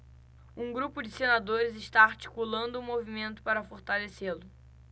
um grupo de senadores está articulando um movimento para fortalecê-lo